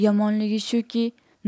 yomonligi shuki